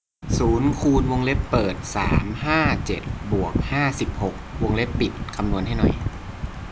ศูนย์คูณวงเล็บเปิดสามห้าเจ็ดบวกห้าสิบหกวงเล็บปิดคำนวณให้หน่อย